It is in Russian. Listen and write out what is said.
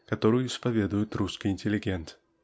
которую исповедует русский интеллигент.